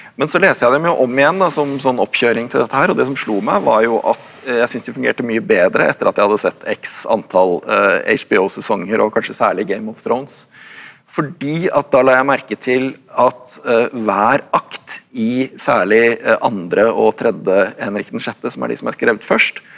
men så leste jeg dem jo om igjen da som sånn oppkjøring til dette her og det som slo meg var jo at jeg synes de fungerte mye bedre etter at jeg hadde sett X antall HBO-sesonger og kanskje særlig Game of Thrones fordi at da la jeg merke til at hver akt i særlig andre og tredje Henrik den sjette som er de som er skrevet først,